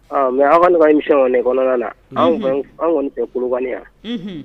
Mɛ aw ne'misi ne kɔnɔna la an kɔni tɛbali yan